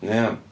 Ia.